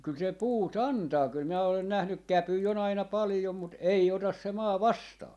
kyllä siellä puut antaa kyllä minä olen nähnyt käpyjä on aina paljon mutta ei ota se maa vastaan